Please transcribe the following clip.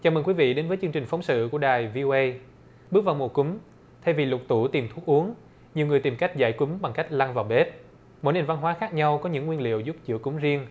chào mừng quý vị đến với chương trình phóng sự của đài vi âu ây bước vào mùa cúm thay vì lục tủ tìm thuốc uống nhiều người tìm cách giải quyết cúm bằng cách lăn vào bếp mỗi nền văn hóa khác nhau có những nguyên liệu giúp chữa cúm riêng